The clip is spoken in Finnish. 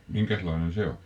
minkäslainen se on